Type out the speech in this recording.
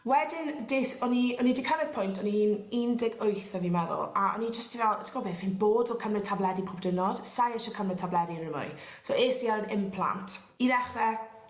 Wedyn des... O'n i o'n i 'di cyrredd pwynt o'n i'n un deg wyth o'n i'n meddwl a o'n i jyst 'di fel t'gbo' beth fi'n bored o cymryd tabledi pob diwrnod sai isie cymryd tabledi ry mwy so es i ar implant. I ddechre